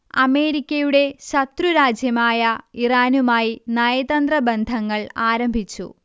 അമേരിക്കയുടെ ശത്രുരാജ്യമായ ഇറാനുമായി നയതന്ത്ര ബന്ധങ്ങൾ ആരംഭിച്ചു